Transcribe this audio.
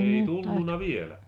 ei tullut vielä